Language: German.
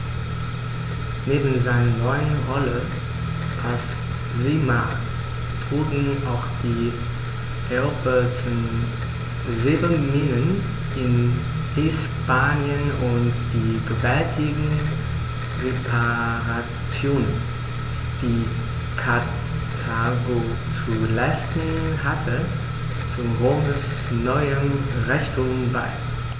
Neben seiner neuen Rolle als Seemacht trugen auch die eroberten Silberminen in Hispanien und die gewaltigen Reparationen, die Karthago zu leisten hatte, zu Roms neuem Reichtum bei.